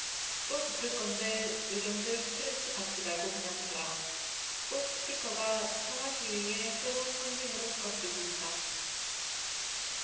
또 붙을 건데 의경들 스트레스 받지 말고 그냥 두라 꽃 스티커가 평화시위의 새로운 상징으로 부각되고 있다